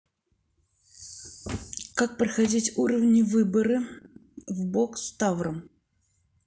как проходить уровни выборы в бокс тавром